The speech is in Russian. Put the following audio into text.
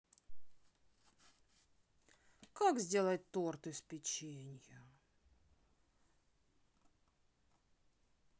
как сделать торт из печенья